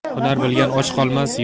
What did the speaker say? hunar bilgan och qolmas